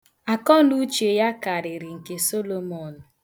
Akọnuuche ya karịrị nke Solomọn.